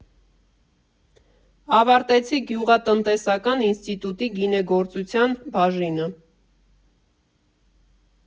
Ավարտեցի գյուղատնտեսական ինստիտուտի գինեգործության բաժինը։